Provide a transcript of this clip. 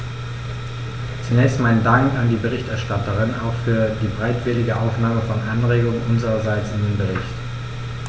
Zunächst meinen Dank an die Berichterstatterin, auch für die bereitwillige Aufnahme von Anregungen unsererseits in den Bericht.